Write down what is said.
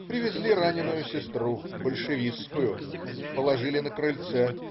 Привезли раненую сестру, большевистскую. Положили на крыльце.